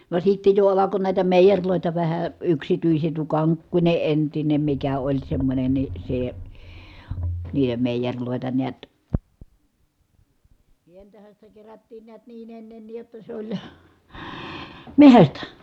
vaan sitten jo alkoi näitä meijereitä vähän yksityiset tuo Kankkunen entinen mikä oli semmoinen niin se niiden meijereitä näet sientähän sitä kerättiin näet niin ennenkin jotta se oli metsästä